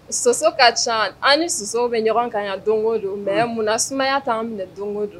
Soso ka ca an ni sosow bɛ ɲɔgɔn kan yan don o don mɛ munna na sumayaya'an minɛ don o don